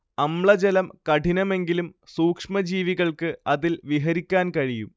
അമ്ലജലം കഠിനമെങ്കിലും സൂക്ഷ്മജീവികൾക്ക് അതിൽ വിഹരിക്കാൻ കഴിയും